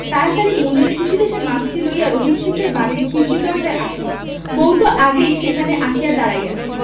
তাড়াতাড়ি মনের খুশীতে সে মাছটি লইয়া রহিম শেখের বাড়ির খিড়কি দরজায় আসিল বউ তো আগেই সেখানে আসিয়া দাঁড়াইয়া আছে